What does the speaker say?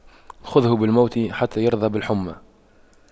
خُذْهُ بالموت حتى يرضى بالحُمَّى